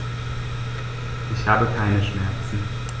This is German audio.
Ich habe keine Schmerzen.